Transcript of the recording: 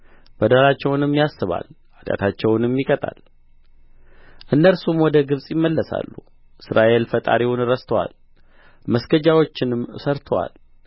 በደላቸውንም ያስባል ኃጢአታቸውንም ይቀጣል እነርሱም ወደ ግብጽ ይመለሳሉ እስራኤል ፈጣሪውን ረስቶአል መስገጃዎችንም ሠርቶአል